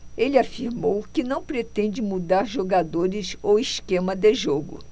ele afirmou que não pretende mudar jogadores ou esquema de jogo